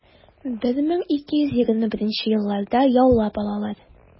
1221 елларда яулап алалар.